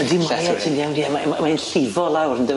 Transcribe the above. Ydi mae e ti'n iawn 'di ie a ma' m' mae e'n llifo lawr yndyfe?